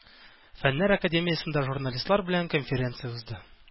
Фәннәр академиясендә журналистлар белән конференция узды.